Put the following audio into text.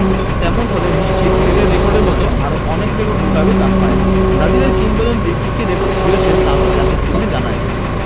তেমন হলে নিশ্চিত পেলের রেকর্ডের মতো আরও অনেক রেকর্ড লুটাবে তাঁর পায়ে ব্রাজিল এর কিংবদন্তির কী কী রেকর্ড ছুঁয়েছেন তা তো এতক্ষণে জানাই